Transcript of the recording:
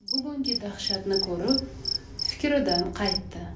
bugungi dahshatni ko'rib fikridan qaytdi